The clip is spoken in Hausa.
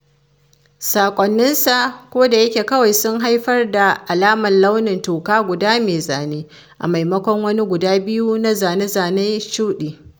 Sakonninsa, kodayake, kawai sun haifar da alamar launin toka guda mai zane, a maimakon wani guda biyu na zane-zane shudi.